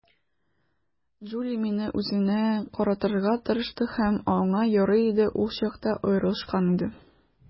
Джули мине үзенә каратырга тырышты, һәм аңа ярый иде - ул чакта аерылышкан иде.